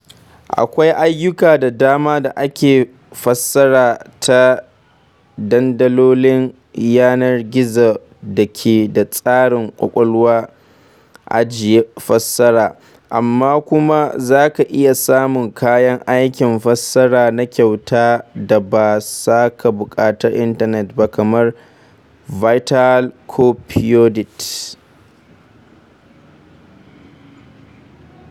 Akwai ayyuka da dama da ake fassara ta dandalolin yanar gizo da ke da tsarin ƙwaƙwalwar ajiye fassara, amma kuma za ka iya samun kayan aikin fassara na kyauta da ba sa buƙatar intanet kamar Virtaal ko Poedit.